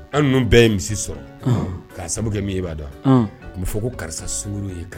An ninnu bɛɛ ye misi sɔrɔ k'a sababu min b'a dɔn n bɛ fɔ ko karisa sun ye kari